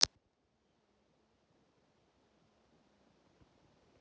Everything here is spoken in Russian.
еще и дерзкая